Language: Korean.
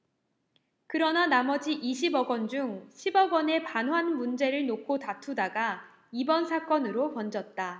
그러나 나머지 이십 억원 중 십 억원의 반환 문제를 놓고 다투다가 이번 사건으로 번졌다